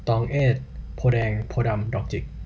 ตองเอซโพธิ์แดงโพธิ์ดำดอกจิก